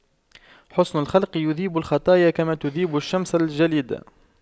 حُسْنُ الخلق يذيب الخطايا كما تذيب الشمس الجليد